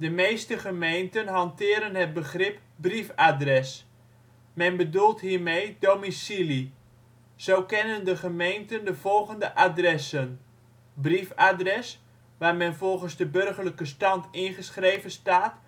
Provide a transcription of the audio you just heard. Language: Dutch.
meeste gemeenten hanteren het begrip " brief-adres ". Men bedoelt hiermee " domicilie ". Zo kennen de gemeenten de volgende adressen: briefadres (waar men volgens de burgerlijke stand ingeschreven staat